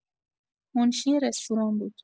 منشی رستوران بود.